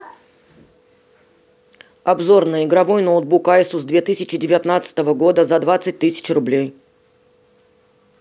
обзорная игровой ноутбук asus две тысячи девятнадцатого года за двадцать тысяч рублей